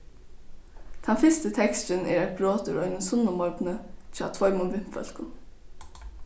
tann fyrsti teksturin er eitt brot úr einum sunnumorgni hjá tveimum vinfólkum